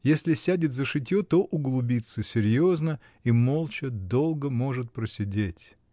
Если сядет за шитье, то углубится серьезно и молча, долго может просидеть